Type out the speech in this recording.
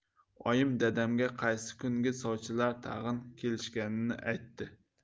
oyim dadamga qaysi kungi sovchilar tag'in kelishganini aytdi